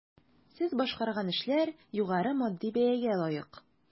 Сез башкарган эшләр югары матди бәягә лаек.